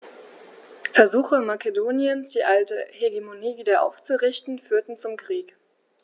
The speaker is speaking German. Versuche Makedoniens, die alte Hegemonie wieder aufzurichten, führten zum Krieg.